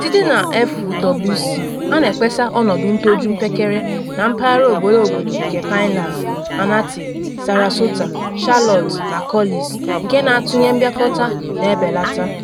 Site na FWC, a na ekpesa ọnọdụ ntoju mpekere na mpaghara obere obodo nke Pinellas, Manatee, Sarasota, Charlotte na Collies - nke na atụnye mbịakọta na ebelata.